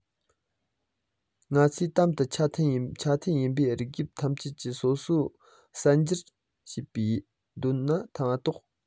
ང ཚོས དམ དུ ཆ མཐུན ཡིན པའི རིགས དབྱིབས ཐམས ཅད ནི སོ སོར གསར སྐྲུན བྱས པར འདོད ན མ གཏོགས